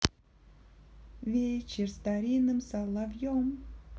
вечер старинным соловьем